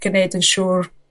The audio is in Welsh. ca' neud yn siŵr